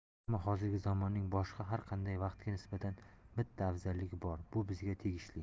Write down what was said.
ammo hozirgi zamonning boshqa har qanday vaqtga nisbatan bitta afzalligi bor bu bizga tegishli